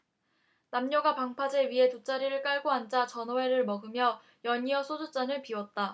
남녀가 방파제 위에 돗자리를 깔고 앉아 전어회를 먹으며 연이어 소주잔을 비웠다